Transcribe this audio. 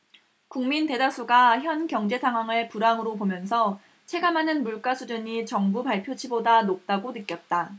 국민 대다수가 현 경제상황을 불황으로 보면서 체감하는 물가 수준이 정부 발표치보다 높다고 느꼈다